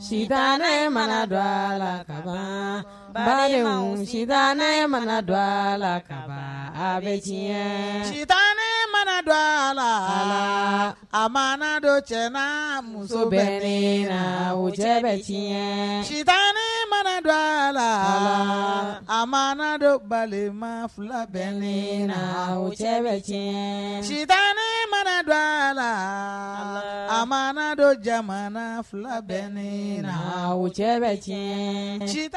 Sutan ne mana dɔ a la ka ba si mana dɔ a la ka bɛ sita ne mana dɔ a la a mana dɔ cɛ muso bɛ ne la wo cɛ bɛ sita mana dɔ a la a ma dɔ balima fila bɛ le wo cɛ bɛ tiɲɛ sutaana mana dɔ a la a ma dɔ jamana fila bɛ ne wo cɛ bɛ tiɲɛ